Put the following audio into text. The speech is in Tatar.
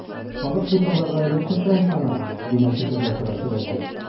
Халык бит аларга элеккечә ышана, дигән фикердә тора Сираҗи.